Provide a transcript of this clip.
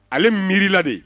Ale miirila de